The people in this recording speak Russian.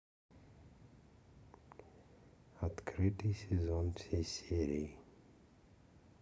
закрытый сезон все серии